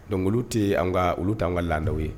Don olu tɛ an ka olu tɛ an ka laadaw ye